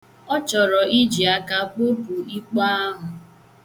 Ọ chọrọ iji aka kpopu ikpo ahụ.